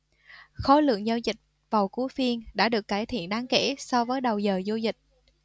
khối lượng giao dịch vào cuối phiên đã được cải thiện đáng kể so với đầu giờ giao dịch